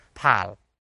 pal